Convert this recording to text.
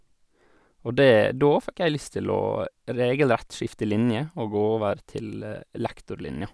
Og det da fikk jeg lyst til å regelrett skifte linje og gå over til lektorlinja.